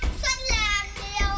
la